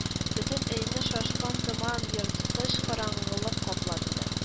Бөтен өйне шашкан томан, ерткыч караңгылык каплады